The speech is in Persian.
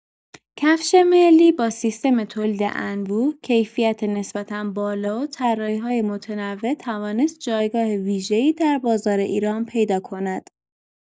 کفش ملی با سیستم تولید انبوه، کیفیت نسبتا بالا و طراحی‌های متنوع توانست جایگاه ویژه‌ای در بازار ایران پیدا کند.